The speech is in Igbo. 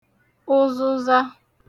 ụzụza